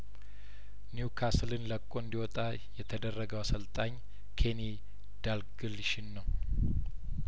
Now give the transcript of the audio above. ኒውካስልን ለቅቆ እንዲ ወጣ የተደረገው አሰልጣኝ ኬኒ ዳልግሊሽን ነው